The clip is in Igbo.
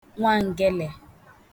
nwangele